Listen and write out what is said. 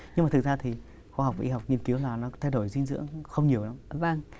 nhưng mà thực ra thì khoa học và y học nghiên cứu là nó thay đổi dinh dưỡng không nhiều lắm